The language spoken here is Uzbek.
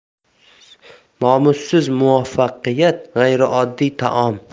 nomusiz muvaffaqiyat g'ayrioddiy taom